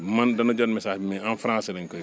man dana jot message mais en français lañ koy bindee